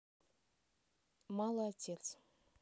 мало отец